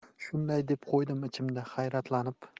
shunday deb qo'ydim ichimda hayratlanib